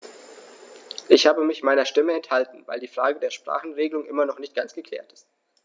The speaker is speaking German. Ich habe mich meiner Stimme enthalten, weil die Frage der Sprachenregelung immer noch nicht ganz geklärt ist.